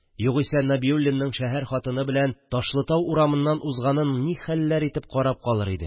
Югыйсә, Нәбиуллинның шәһәр хатыны белән Ташлытау урамыннан узганын ни хәлләр итеп карап калыр идең